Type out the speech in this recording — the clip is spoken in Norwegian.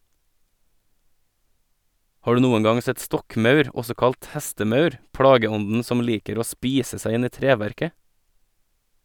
Har du noen gang sett stokkmaur, også kalt hestemaur, plageånden som liker å spise seg inn i treverket?